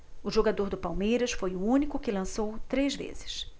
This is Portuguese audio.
o jogador do palmeiras foi o único que lançou três vezes